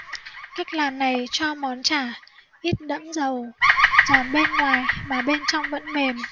cách làm này cho món chả ít đẫm dầu giòn bên ngoài mà bên trong vẫn mềm